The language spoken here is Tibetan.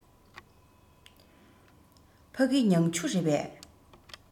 ཕ གི མྱང ཆུ རེད པས